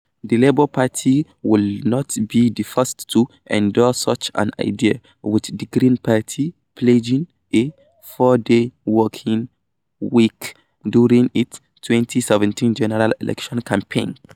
The Labour Party would not be the first to endorse such an idea, with the Green Party pledging a four-day working week during its 2017 general election campaign.